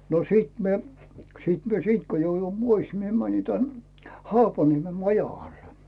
no sitten minä sitten minä siitä kun jouduin pois minä menin tänne Haapaniemen majakalle